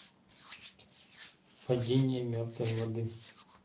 падение мертвой воды